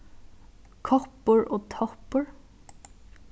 koppur og toppur